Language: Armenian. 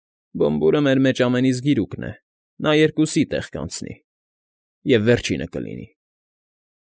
Բոմբուրը մեր մեջ ամենից գիրուկն է, նա երկուսի տեղ կանցնի և վերջինը կլինի։